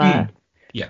Mm ia.